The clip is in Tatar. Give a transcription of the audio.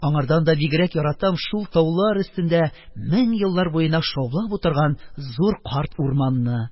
Аңардан да бигрәк яратам шул таулар өстендә мең еллар буена шаулап утырган зур карт урманны!